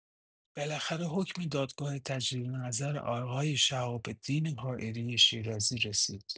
بالاخره حکم دادگاه تجدید نظر آقای شهاب‌الدین حائری شیرازی رسید.